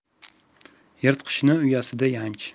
yirtqichni uyasida yanch